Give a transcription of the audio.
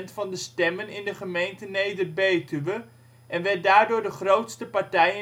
van de stemmen in de gemeente Neder-Betuwe en werd daardoor de grootste partij